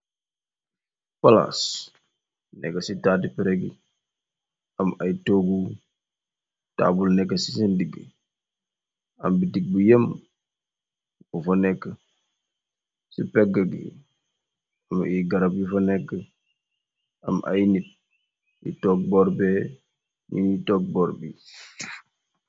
Palas nekka ci tadti pregi am ay toggu, taabul nekka ci seen diggi, am bi dig bu yem , bu fa nekka ci pegg gi am ay garab yu fa nekka, am ay nit yi togg bor be niny tog bor bi.